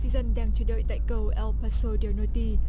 di dân đang chờ đợi tại cầu eo pa sơ deo ni ti